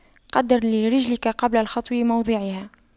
قَدِّرْ لِرِجْلِكَ قبل الخطو موضعها